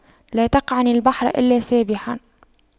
لا تقعن البحر إلا سابحا